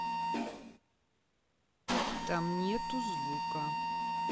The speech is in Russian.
там нету звука